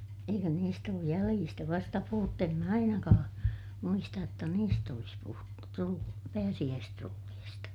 eikö niistä ole jäljistä vasta puhuttu en minä ainakaan muista jotta niistä olisi puhuttu - pääsiäistrulleista